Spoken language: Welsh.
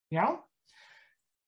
Iawn?